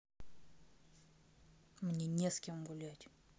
мне не с кем гулять